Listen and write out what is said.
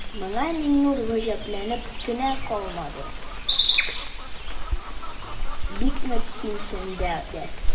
Моңа Миңнур гаҗәпләнеп кенә калмады, бик нык кимсенде дә.